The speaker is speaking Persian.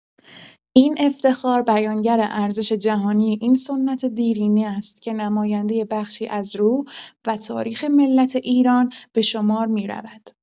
این افتخار بیانگر ارزش جهانی این سنت دیرینه است که نماینده بخشی از روح و تاریخ ملت ایران به شمار می‌رود.